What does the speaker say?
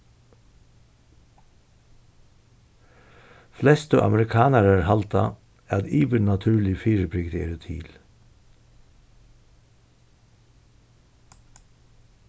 flestu amerikanarar halda at yvirnatúrlig fyribrigdi eru til